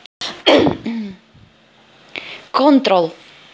control